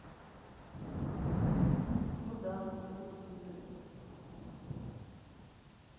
ну да cut будто